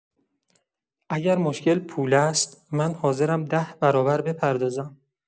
اگر مشکل پول است، من حاضرم ده‌برابر بپردازم.